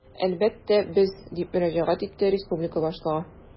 Әлбәттә, без, - дип мөрәҗәгать итте республика башлыгы.